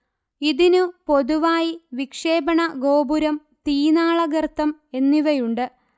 ഇതിനു പൊതുവായി വിക്ഷേപണ ഗോപുരം തീനാളഗർത്തം എന്നിവയുണ്ട്